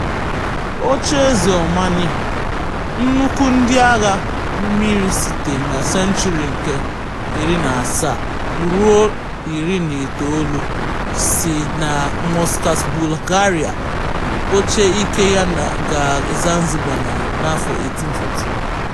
Ocheeze Omani, "nnukwu ndị agha mmiri site na senchuri nke 17 ruo 19, si na Muscat bugharịa oche ike ya gaa Zanzibar na 1840.